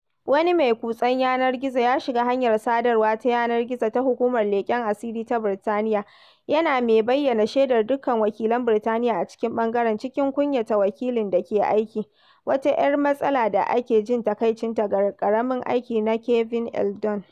Wani mai kutsen yanar gizo ya shiga hanyar sadarwa ta yanar gizo ta hukumar leƙen asiri ta Birtaniyya, yana mai bayyana shaidar dukkan wakilan Birtaniyya a cikin ɓangaren, cikin kunyata wakilin da ke aiki - wata 'yar matsala da ake jin takaicinta ga ƙaramin aiki na Kevin Eldon.